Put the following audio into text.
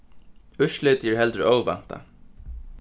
úrslitið er heldur óvæntað